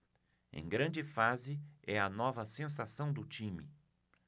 em grande fase é a nova sensação do time